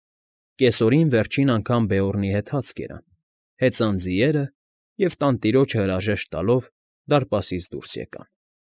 Կեսօրին վերջին անգամ Բեորնի հետ հաց կերան, հեծան ձիերը և, տանտիրոջը հարժեշտ տալով, դարպասից դուրս եկան։